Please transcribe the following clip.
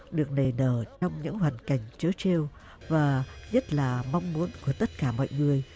được nảy nở trong những hoàn cảnh trớ trêu và nhất là mong muốn của tất cả mọi người